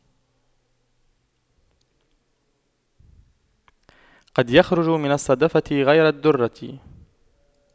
قد يخرج من الصدفة غير الدُّرَّة